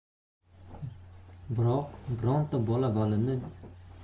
biroq bironta bola